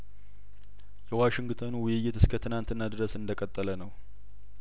የዋሽንግተኑ ውይይት እስከትናንት ድረስ እንደቀጠለነው